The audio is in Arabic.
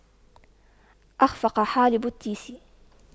أَخْفَقَ حالب التيس